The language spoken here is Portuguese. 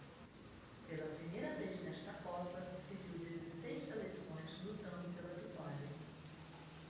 pela primeira vez nesta copa se viu dezesseis seleções lutando pela vitória